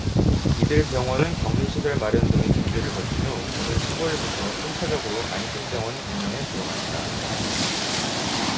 이들 병원은 격리시설 마련 등의 준비를 거친 후 오는 십 오 일부터 순차적으로 안심병원 운영에 들어간다